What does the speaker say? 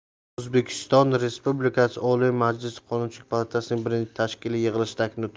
o'zbekiston respublikasi oliy majlisi qonunchilik palatasining birinchi tashkiliy yig'ilishidagi nutq